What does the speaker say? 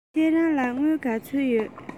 ཁྱེད རང ལ དངུལ ག ཚོད ཡོད